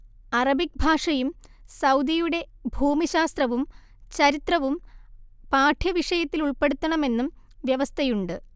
Arabic ഭാഷയും സൗദിയുടെ ഭൂമിശാസ്ത്രവും ചരിത്രവും പാഠ്യവിഷയത്തിലുൾപ്പെടുത്തണമെന്നും വ്യവസ്ഥയുണ്ട്